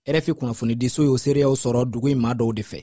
rfi kunnafonidiso ye seereya sɔrɔ dugu in maa dɔw de fɛ